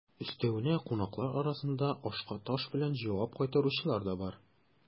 Өстәвенә, кунаклар арасында ашка таш белән җавап кайтаручылар да бар.